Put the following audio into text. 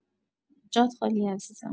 جات خالی عزیزم